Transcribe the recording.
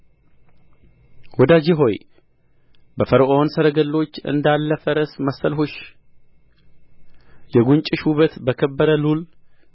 ወዳጄ ሆይ በፈርዖን ሰረገሎች እንዳለ ፈረስ መሰልሁሽ የጕንጭሽ ውበት በከበረ ሉል